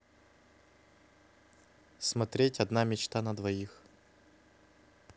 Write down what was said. смотреть одна мечта на двоих